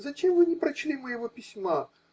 Зачем вы не прочли моего письма?